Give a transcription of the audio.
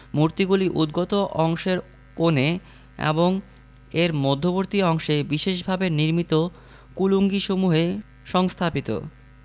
মূর্তিগুলি উদ্গত অংশের কোণে এবং এর মধ্যবর্তী অংশে বিশেষভাবে নির্মিত কুলুঙ্গিসমূহে সংস্থাপিত